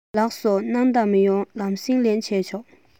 ལགས སོ སྣང དག མི ཡོང ལམ སེང ལན ཞུས ཆོག